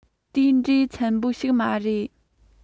དེ འདྲའི འཚམས པོ ཞིག མ རེད